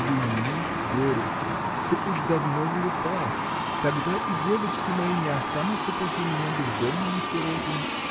Женись, Борюшка, ты уж давно в летах, тогда и девочки мои не останутся после меня бездомными сиротами.